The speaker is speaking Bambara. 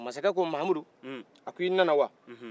masakɛ mamudu a k'i nana wa